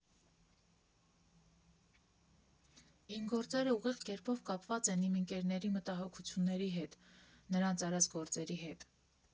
«Իմ գործերը ուղիղ կերպով կապված են իմ ընկերների մտահոգությունների հետ, նրանց արած գործերի հետ։